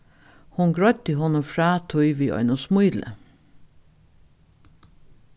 hon greiddi honum frá tí við einum smíli